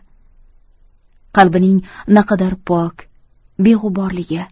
qalbining naqadar pok beg'uborligi